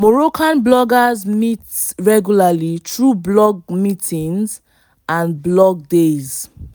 Moroccan bloggers meet regularly through blog meetings and blog days.